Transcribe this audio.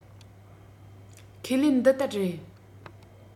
ཁས ལེན འདི ལྟར རེད